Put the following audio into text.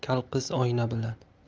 kal qiz oyna bilan